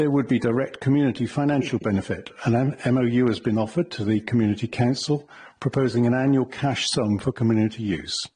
There would be direct community financial benefit, an- an MOU has been offered to the Community Council, proposing an annual cash sum for community use.